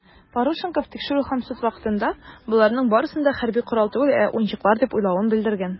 Парушенков тикшерү һәм суд вакытында, боларның барысын да хәрби корал түгел, ә уенчыклар дип уйлавын белдергән.